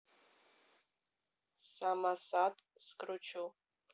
самосад скручу